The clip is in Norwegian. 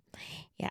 Ja.